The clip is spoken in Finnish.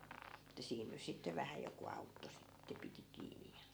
että siinä nyt sitten vähän joku auttoi sitten piti kiinni ja